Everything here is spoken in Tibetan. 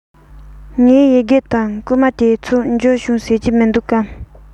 ངའི ཡི གེ དང བསྐུར མ དེ ཚོ འབྱོར བྱུང ཟེར གྱི མི འདུག གས